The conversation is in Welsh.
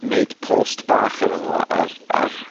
neud post bach arno fo ar ar...